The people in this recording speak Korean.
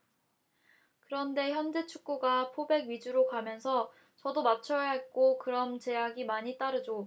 그런데 현대축구가 포백 위주로 가면서 저도 맞춰야 했고 그럼 제약이 많이 따르죠